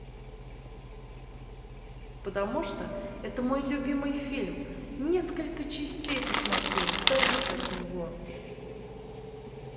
потому что это мой любимый фильм несколько частей посмотрел завис от него